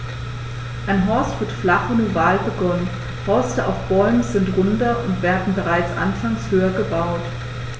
Ein Horst wird flach und oval begonnen, Horste auf Bäumen sind runder und werden bereits anfangs höher gebaut.